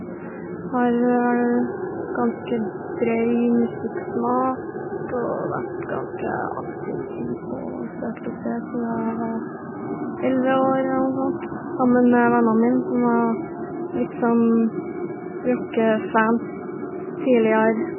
Har vel ganske brei musikksmak og vært ganske aktiv i å søkt opp det sia jeg var elleve år eller noe sånt, sammen med vennene mine, som var litt sånn rockefans tidligere.